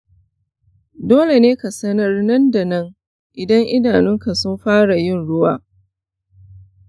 dole ne ka sanar nan da nan idan idanunka sun fara yin rawaya.